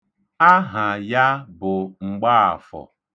Aha ya bụ Mgbaafọ.